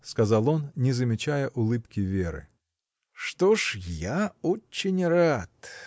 — сказал он, не замечая улыбки Веры. — Что ж, я очень рад!